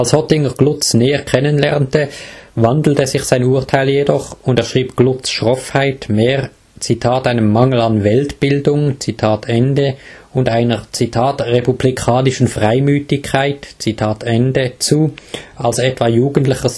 Hottinger Glutz näher kennenlernte, wandelte sich sein Urteil jedoch und er schrieb Glutz ' Schroffheit mehr „ einem Mangel an Weltbildung “und einer „ republikanischen Freimüthigkeit “zu als etwa jugendlicher